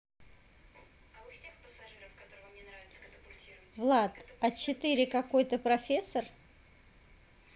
влад а четыре какой то профессор